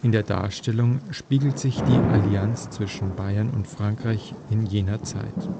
der Darstellung spiegelt sich die Allianz zwischen Bayern und Frankreich in jener Zeit